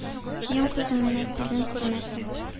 Йом күзеңне, күзең күрмәсен!